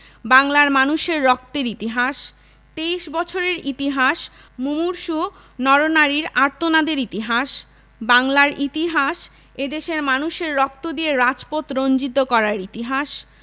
বাংলার মানুষের রক্তের ইতিহাস ২৩ বছরের ইতিহাস মুমূর্ষু নর নারীর আর্তনাদের ইতিহাস বাংলার ইতিহাস এদেশের মানুষের রক্ত দিয়ে রাজপথ রঞ্জিত করার ইতিহাস